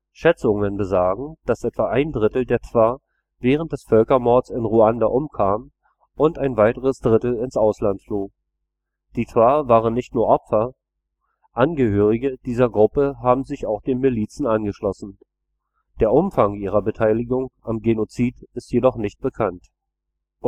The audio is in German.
Schätzungen besagen, dass etwa ein Drittel der Twa während des Völkermords in Ruanda umkam und ein weiteres Drittel ins Ausland floh. Die Twa waren nicht nur Opfer, Angehörige dieser Gruppe haben sich auch den Milizen angeschlossen. Der Umfang ihrer Beteiligung am Genozid ist jedoch nicht bekannt